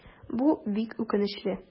Бу бик үкенечле.